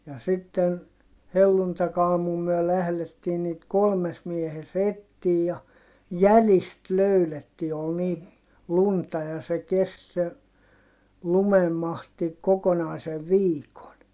ja sitten helluntaiaamuna me lähdettiin niitä kolmessa miehessä etsimään ja jäljistä löydettiin oli niin lunta ja se kesti se lumenmahti kokonaisen viikon